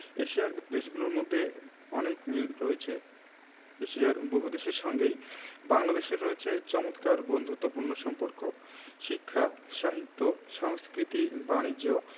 এশিয়ার দেশগুলোর মধ্যে অনেক মিল রয়েছেএশিয়ার বহুদেশের সঙ্গেই বাংলাদেশের রয়েছে চমৎকার বন্ধুত্বপূর্ণ সম্পর্ক শিক্ষা সাহিত্য সংস্কৃতি বানিজ্য